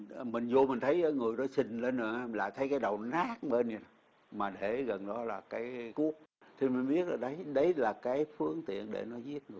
mình vô mình thấy ở người đã phình lên à lại thấy cái đầu nát một bên mà để gần đó là cái cúp thì mình biết ở đấy đấy là cái phương tiện để nó giết người